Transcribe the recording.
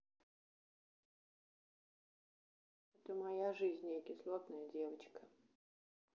это моя жизнь я кислотная девочка